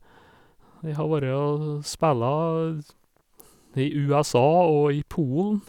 Jeg har vorre og spella s i USA og i Polen.